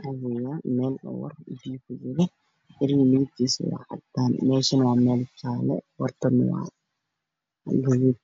cabayaan meel oo war oo biyo ku jiro eh ariga midabkiisa waa cadaan meeshane waa meel jaalle ah warda midabkeeda waa gaduud.